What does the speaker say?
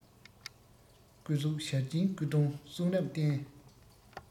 སྐུ གཟུགས ཞལ སྐྱིན སྐུ གདུང གསུང རབ རྟེན